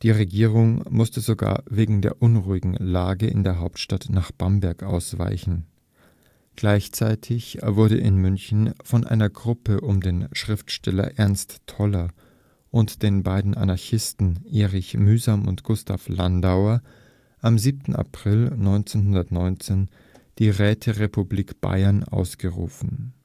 Regierung musste sogar wegen der unruhigen Lage in der Hauptstadt nach Bamberg ausweichen. Gleichzeitig wurde in München von einer Gruppe um den Schriftsteller Ernst Toller und den beiden Anarchisten Erich Mühsam und Gustav Landauer am 7. April 1919 die „ Räterepublik Baiern “ausgerufen